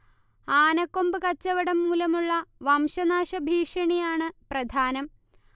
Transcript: ആനക്കൊമ്പ് കച്ചവടം മൂലമുള്ള വംശനാശ ഭീഷണിയാണ് പ്രധാനം